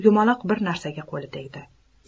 yumaloq bir narsaga qo'li tegdi